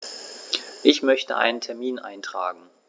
Ich möchte einen Termin eintragen.